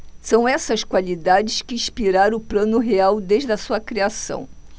são essas qualidades que inspiraram o plano real desde a sua criação